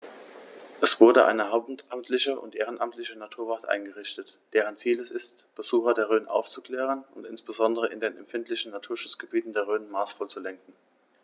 Es wurde eine hauptamtliche und ehrenamtliche Naturwacht eingerichtet, deren Ziel es ist, Besucher der Rhön aufzuklären und insbesondere in den empfindlichen Naturschutzgebieten der Rhön maßvoll zu lenken.